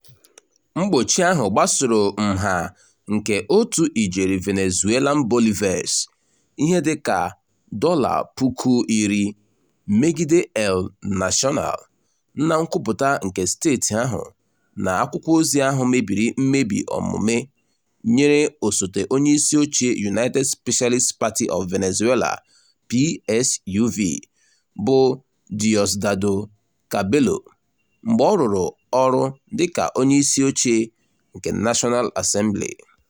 Mgbochi ahụ gbasoro nha nke otu ijeri Venezuelan Bolivares (ihe dịka $10,000) megide El Nacional, na nkwupụta nke steeti ahụ na akwụkwọozi ahụ mebiri "mmebi omume" nyere osote onyeisi oche United Socialist Party of Venezuela (PSUV) bụ Diosdado Cabello, mgbe ọ rụrụ ọrụ dịka onyeisi oche nke National Assembly.